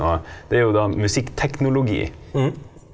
og det er jo da musikkteknologi.